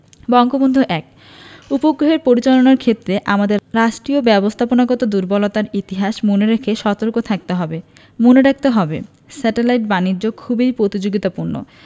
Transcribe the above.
বঙ্গবন্ধু ১ উপগ্রহের পরিচালনার ক্ষেত্রে আমাদের রাষ্ট্রীয় ব্যবস্থাপনাগত দূর্বলতার ইতিহাস মনে রেখে সতর্ক থাকতে হবে মনে রাখতে হবে স্যাটেলাইট বাণিজ্য খুবই প্রতিযোগিতাপূর্ণ